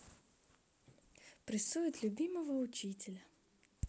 прессуют любимого учителя